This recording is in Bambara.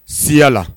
Siya la